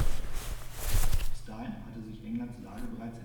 dahin hatte sich Englands Lage bereits